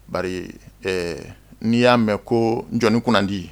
Bari n'i y'a mɛn koi kunnandi